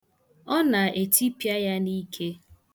Ọ na-etipịa ya n' ike.